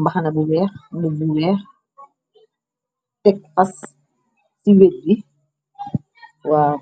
mbaxna bu weex nub bu weex tek xas ci weej bi waaw.